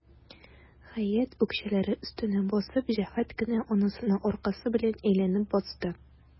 Хәят, үкчәләре өстенә басып, җәһәт кенә анасына аркасы белән әйләнеп басты.